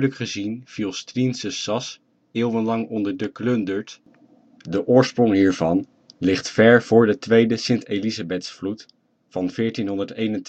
gezien viel Striensche Sas eeuwenlang onder De Klundert, de oorsprong hiervan ligt ver voor de 2e Sint Elisabethsvloed van 1421